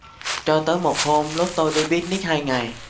cho tới một hôm lớp tôi đi picnic hai ngày